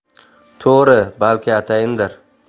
to'g'ri balki atayindir